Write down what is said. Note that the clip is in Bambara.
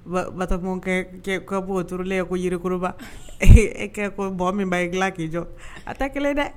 Batkɛ ka bɔ o turlen ye ko yirikoroba ee ee ko bɔn minba y'i k'i jɔ a tɛ kelen dɛ